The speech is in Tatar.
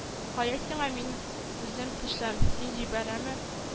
— кая сиңа, мин үзем төшәм, сине җибәрәме